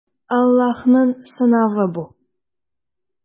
Аллаһның сынавы бу.